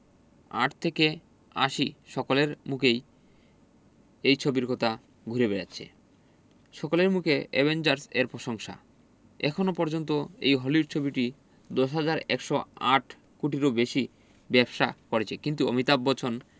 আট থেকে আশি সকলের মুখেই এই ছবির কথা ঘুরে বেড়াচ্ছে সকলের মুখে অ্যাভেঞ্জার্স এর পশংসা এখনও পর্যন্ত এই হলিউড ছবিটি ১০১০৮ কোটিরও বেশি ব্যবসা করেছে কিন্তু অমিতাভ বচ্চন